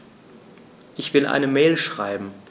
Ich will eine Mail schreiben.